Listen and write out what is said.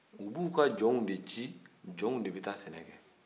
u b'u ka jɔnw de ci jɔnw de bɛ taa sɛnɛ kɛ